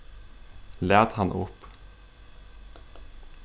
lat hann upp